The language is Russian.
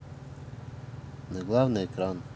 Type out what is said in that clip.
на главный экран